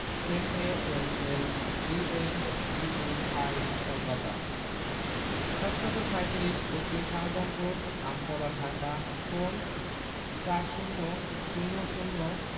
M A L L B M B H I Kolkata ৭৩৭ দক্ষিন Shahjahanpur Amtala Dhaka phone ৪০০০